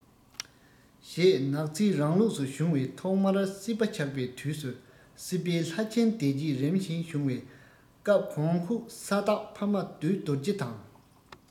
ཞེས ནག རྩིས རང ལུགས སུ བྱུང བའི ཐོག མར སྲིད པ ཆགས པའི དུས སུ སྲིད པའི ལྷ ཆེན སྡེ བརྒྱད རིམ བཞིན བྱུང བའི སྐབས གོང འཁོད ས བདག ཕ ཡ བདུད རྡོ རྗེ དང